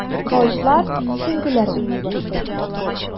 Кылычлар, сөңгеләр уйный башлый.